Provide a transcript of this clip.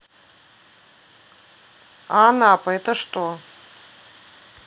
а анапа это что